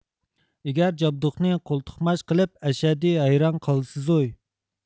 ئېگەر جابدۇقنى قولتۇقماچ قىلىپ ئەشەددىي ھەيران قالىسىزۇي